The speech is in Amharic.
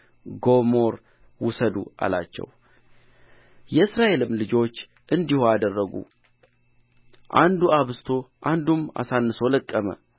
ጎሞር ውሰዱ አላቸው የእስራኤልም ልጆች እንዲሁ አደረጉ አንዱ አብዝቶ አንዱም አሳንሶ ለቀመ